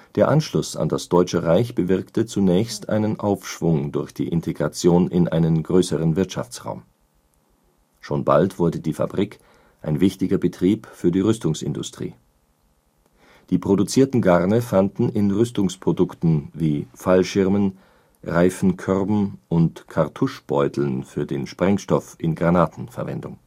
Der Anschluss an das Deutsche Reich bewirkte zunächst einen Aufschwung durch die Integration in einen größeren Wirtschaftsraum. Schon bald wurde die Fabrik ein wichtiger Betrieb für die Rüstungsindustrie. Die produzierten Garne fanden in Rüstungsprodukten, wie Fallschirmen, Reifenkörben und Kartuschbeuteln für den Sprengstoff in Granaten Verwendung